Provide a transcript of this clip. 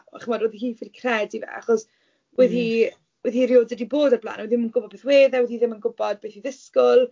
A chi'n gwybod, oedd hi'n ffili credu fe. Achos oedd hi oedd hi erioed wedi bod o'r blaen. Roedd hi ddim yn gwybod beth wedd e. Oedd hi ddim yn gwybod beth i ddisgwyl.